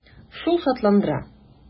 Шул шатландыра.